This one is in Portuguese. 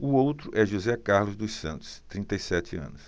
o outro é josé carlos dos santos trinta e sete anos